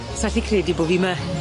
Sa allu credu bo' fi 'my.